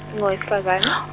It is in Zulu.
ungowesifazane.